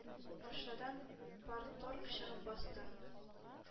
Машинадан парторг чыгып басты.